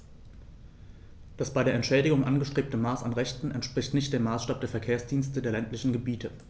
Das bei der Entschädigung angestrebte Maß an Rechten entspricht nicht dem Maßstab der Verkehrsdienste der ländlichen Gebiete.